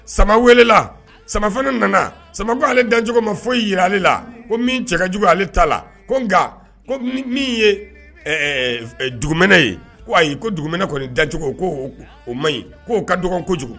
Sama welela samafana nana sama ko ale dancogo ma foyi jira ale la ko min cɛ ka jugu ale ta la ko nka min ye duguminɛ ye ayi ko dugu kɔni dacogo ko o man ɲi k'o ka dɔgɔn kojugu